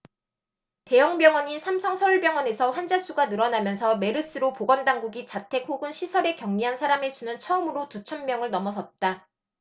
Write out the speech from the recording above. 대형 병원인 삼성서울병원에서 환자수가 늘어나면서 메르스로 보건당국이 자택 혹은 시설에 격리한 사람의 수는 처음으로 두 천명을 넘어섰다